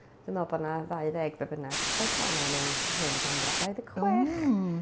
Dwi'n meddwl bod 'na 20 be bynnag. Faint o' na mewn hen gamera 26?